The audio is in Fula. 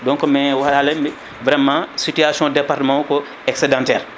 donc mi* vraiment situation département o ko excédentaire